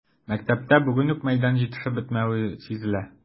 Мәктәптә бүген үк мәйдан җитешеп бетмәве сизелә.